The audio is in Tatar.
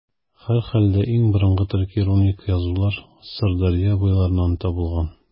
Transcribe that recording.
Һәрхәлдә, иң борынгы төрки руник язулар Сырдәрья буйларыннан табылган.